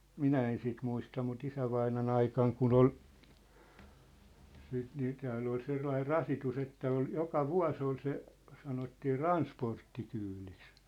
minä en sitten muista mutta isävainajan aikana kun oli sitten niin täällä oli sellainen rasitus että oli joka vuosi oli se sanottiin transporttikyydiksi